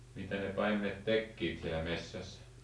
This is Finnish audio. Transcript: mitä ne paimenet tekivät siellä metsässä